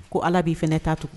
Ko ala b'i fɛ taa tugun